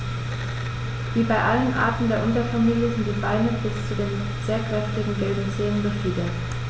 Wie bei allen Arten der Unterfamilie sind die Beine bis zu den sehr kräftigen gelben Zehen befiedert.